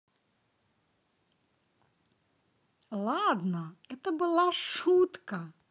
ладно это была шутка